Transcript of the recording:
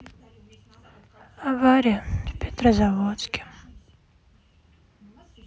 авария в петрозаводске